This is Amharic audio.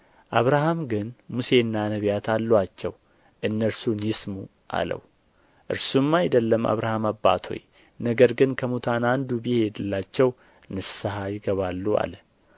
አብርሃም ግን ሙሴና ነቢያት አሉአቸው እነርሱን ይስሙ አለው እርሱም አይደለም አብርሃም አባት ሆይ ነገር ግን ከሙታን አንዱ ቢሄድላቸው ንስሐ ይገባሉ አለ